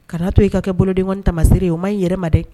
Kana to y' ka kɛ boloden tamasire ye o ma in yɛrɛ ma dɛ